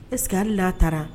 Es sigiri la a taara